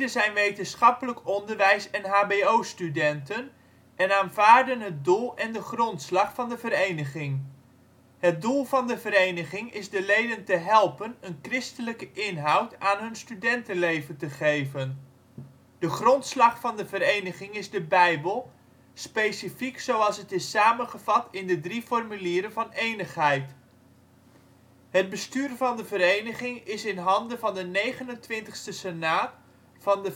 zijn Wetenschappelijk Onderwijs - en hbo-studenten en aanvaarden het doel en de grondslag van de vereniging. Het doel van de vereniging is de leden te helpen een christelijke inhoud aan hun studentenleven te geven. De grondslag van de vereniging is de bijbel, specifiek zoals het is samengevat in de Drie Formulieren van Enigheid. Het bestuur van de vereniging is in handen van de 29e senaat van de